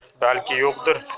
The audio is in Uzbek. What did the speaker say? balki yo'qdir